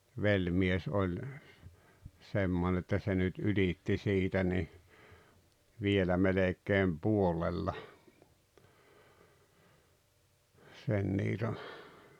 velimies oli semmoinen että se nyt ylitti siitä niin vielä melkein puolella sen niiton